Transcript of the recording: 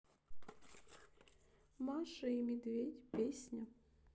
маша и медведь песня